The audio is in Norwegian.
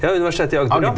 ja Universitetet i Agder ja.